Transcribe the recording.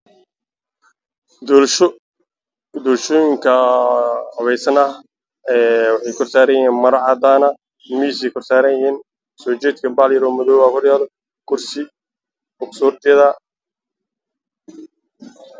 Meshan waa banaan waxaa yaalo maro cadaan ah waxaa saran buskud